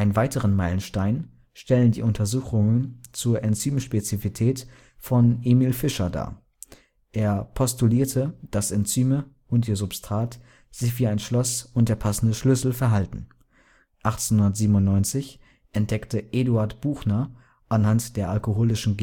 weiteren Meilenstein stellen die Untersuchungen zur Enzymspezifität von Emil Fischer dar. Er postulierte, dass Enzyme und ihr Substrat sich wie ein Schloss und der passende Schlüssel verhalten. 1897 entdeckte Eduard Buchner anhand der alkoholischen